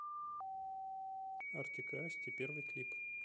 артик и асти первый клип